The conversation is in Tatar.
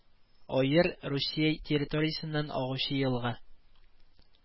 Оер Русия территориясеннән агучы елга